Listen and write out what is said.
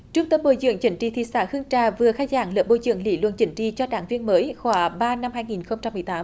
trước tết bồi dưỡng chính trị thị xã hương trà vừa khai giảng lớp bồi dưỡng lý luận chính trị cho đảng viên mới khóa ba năm hai nghìn không trăm mười tám